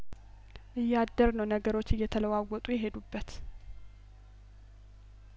እያደር ነው ነገሮች እየተለዋወጡ የሄዱበት